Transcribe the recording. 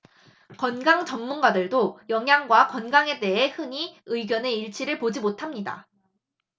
건강 전문가들도 영양과 건강에 대해 흔히 의견의 일치를 보지 못합니다